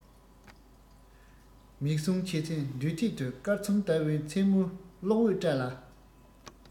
མིག ཟུང ཕྱེ ཚེ མདུན ཐད དུ སྐར ཚོམ ལྟ བུའི མཚན མོའི གློག འོད བཀྲ ལ